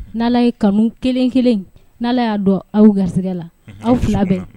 N' alllah ye kanu kelen kelen in n allah y'a dɔn aw garisɛgɛ la aw 2 bɛn na!